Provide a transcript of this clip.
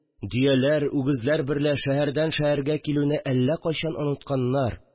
Дөяләр, үгезләр берлә шәһәрдән шәһәргә килүне әллә кайчан онытканнар